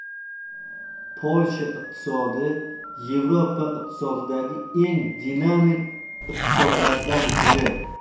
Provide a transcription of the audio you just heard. polsha iqtisodi yevropa ittifoqidagi eng dinamik iqtisodlardan biri